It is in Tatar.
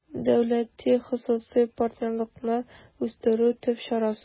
«дәүләти-хосусый партнерлыкны үстерү» төп чарасы